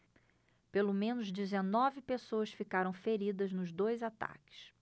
pelo menos dezenove pessoas ficaram feridas nos dois ataques